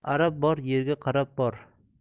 arab bor yerga qarab bor